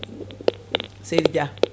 seydi Dia